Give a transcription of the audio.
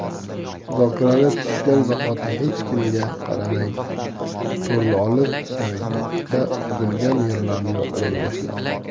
zokirali tushgan zahoti hech kimga qaramay to'rni olib yoydi da uzilgan yerlarini ulay boshladi